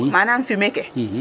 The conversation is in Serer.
manaam fumier ke?